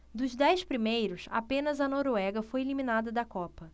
dos dez primeiros apenas a noruega foi eliminada da copa